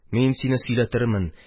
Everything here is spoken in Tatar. Мин сине сөйләтермен